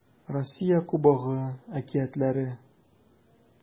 Россия Кубогы әкиятләре